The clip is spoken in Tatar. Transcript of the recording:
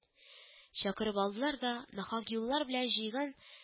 Чакырып алдылар да нахак юллар белән җыйган